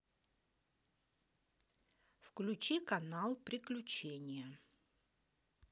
включи канал приключения